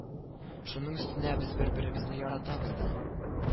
Шуның өстенә без бер-беребезне яратабыз да